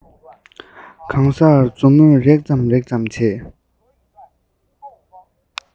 གང སར མཛུབ མོས རེག ཙམ རེག ཙམ བྱེད